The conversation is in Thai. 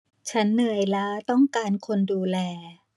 ฉันเหนื่อยล้าต้องการคนดูแล